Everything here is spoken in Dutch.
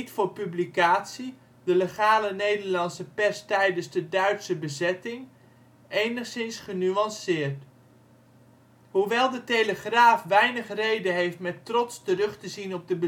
voor publicatie, de legale Nederlandse pers tijdens de Duitse bezetting, enigszins genuanceerd. Hoewel De Telegraaf weinig reden heeft met trots terug te zien op de